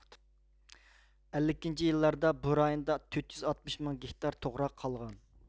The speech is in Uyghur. ئەللىكىنچى يىللاردا بۇ رايوندا تۆتيۈز ئاتمىش مىڭ گېكتار توغراق قالغان